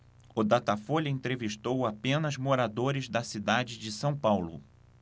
o datafolha entrevistou apenas moradores da cidade de são paulo